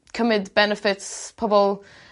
cymyd benefits pobol